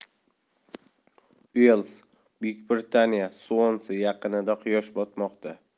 uels buyuk britaniyasuonsi yaqinida quyosh botmoqda